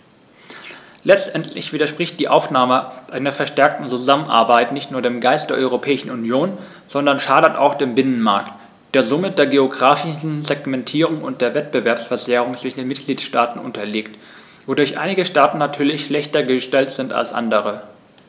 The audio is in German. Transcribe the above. Letztendlich widerspricht die Aufnahme einer verstärkten Zusammenarbeit nicht nur dem Geist der Europäischen Union, sondern schadet auch dem Binnenmarkt, der somit der geographischen Segmentierung und der Wettbewerbsverzerrung zwischen den Mitgliedstaaten unterliegt, wodurch einige Staaten natürlich schlechter gestellt sind als andere.